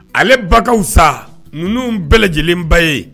Ale bakanw sa ninnu bɛɛ lajɛlen ba ye